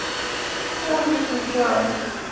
сколько сейчас